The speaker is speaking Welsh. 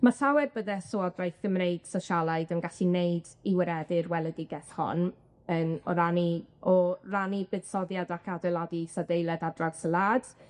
Ma' llawer bydde llywodraeth Gymreig sosialaidd yn gallu neud i wireddu'r weledigeth hon yn o rannu o rannu buddsoddiad ac adeiladu isadeiledd ar draws y wlad